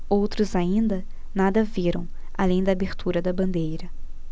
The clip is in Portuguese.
outros ainda nada viram além da abertura da bandeira